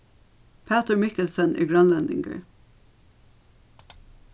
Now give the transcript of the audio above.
pætur mikkelsen er grønlendingur